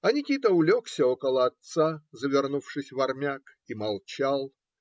А Никита улегся около отца, завернувшись в армяк, и молчал.